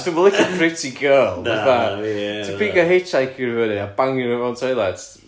dwi'm yn licio pretty girl fatha ti'n pigo hitchhiker i fyny a bangio nhw fewn toilet